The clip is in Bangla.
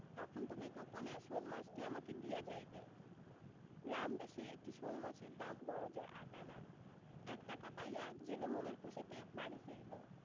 তখন তুমি গোপনে শোলমাছটি আমাকে দিয়া যাইবে গ্রামদেশে একটি শোলমাছের দাম বড়জোর আট আনা এক টাকা পাইয়া জেলে মনের খুশীতে বাড়ি ফিরিল